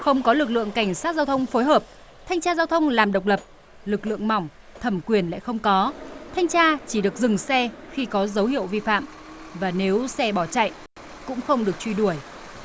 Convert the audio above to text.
không có lực lượng cảnh sát giao thông phối hợp thanh tra giao thông làm độc lập lực lượng mỏng thẩm quyền lại không có thanh tra chỉ được dừng xe khi có dấu hiệu vi phạm và nếu xe bỏ chạy cũng không được truy đuổi